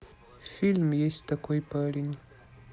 фильм есть такой парень